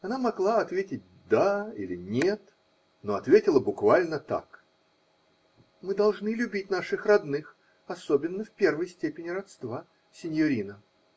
Она могла ответить "да" или "нет", но ответила буквально так: -- Мы должны любить наших родных, особенно в первой степени родства, синьорино.